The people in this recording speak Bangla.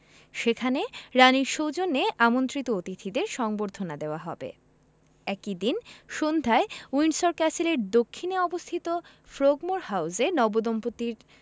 সেখানে রানির সৌজন্যে আমন্ত্রিত অতিথিদের সংবর্ধনা দেওয়া হবে একই দিন সন্ধ্যায় উইন্ডসর ক্যাসেলের দক্ষিণে অবস্থিত ফ্রোগমোর হাউসে নবদম্পতির